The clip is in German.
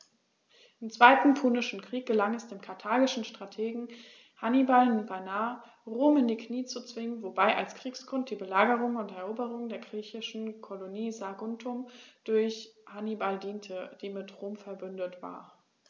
Im Zweiten Punischen Krieg gelang es dem karthagischen Strategen Hannibal beinahe, Rom in die Knie zu zwingen, wobei als Kriegsgrund die Belagerung und Eroberung der griechischen Kolonie Saguntum durch Hannibal diente, die mit Rom „verbündet“ war.